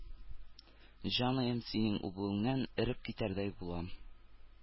Җаным, синең үбүеңнән эреп китәрдәй булам.